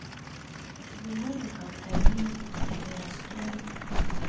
а тебя можно как то обидеть или расстроить